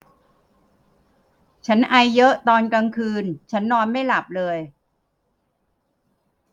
ฉันไอเยอะตอนกลางคืนฉันนอนไม่หลับเลย